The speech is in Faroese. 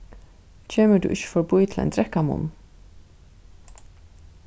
kemur tú ikki forbí til ein drekkamunn